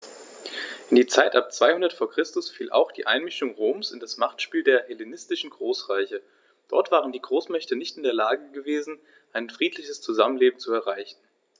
In die Zeit ab 200 v. Chr. fiel auch die Einmischung Roms in das Machtspiel der hellenistischen Großreiche: Dort waren die Großmächte nicht in der Lage gewesen, ein friedliches Zusammenleben zu erreichen.